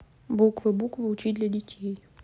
буквы буквы учить для детей